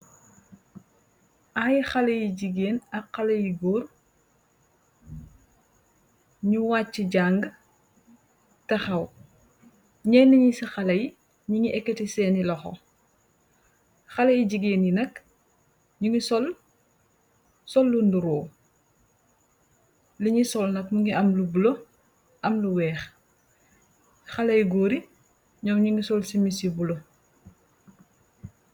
Ay xalé yi jigéen ak xale yi góor. Ñu ngi wàcc jàng taxaw. Ñienen ñi ci xalé yi ñu ngee ekati seeni loxo. Xalé yi jigéen yi nak ñu ngi sol sollu yu nduróo. liñi sol nak, mu ngi am lu bulo, am lu weex. Xalee góori ñoom ñio ngi sol simis bu bulo.